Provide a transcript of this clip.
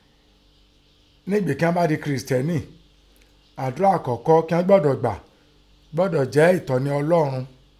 Nígbì kín ọ bá di Kìrìsítẹ́nì, àdọ́rà àkọ́kọ́ kín gbọ́dọ̀ kọ́kọ́ gbà gbọ́dọ̀ jẹ́ ún ẹ̀tọ́ni Ọlọ́un